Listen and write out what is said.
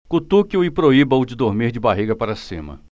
cutuque-o e proíba-o de dormir de barriga para cima